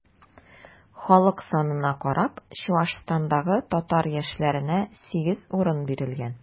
Халык санына карап, Чуашстандагы татар яшьләренә 8 урын бирелгән.